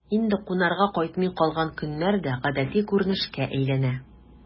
Инде кунарга кайтмый калган көннәр дә гадәти күренешкә әйләнә...